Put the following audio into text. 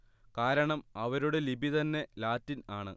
കാരണം അവരുടെ ലിപി തന്നെ ലാറ്റിൻ ആണ്